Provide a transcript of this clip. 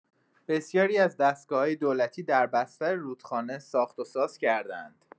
بسیاری از دستگاه‌های دولتی در بستر رودخانه ساخت‌وساز کرده‌اند.